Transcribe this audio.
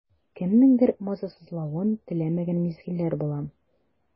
Кемнеңдер мазасызлавын теләмәгән мизгелләр була.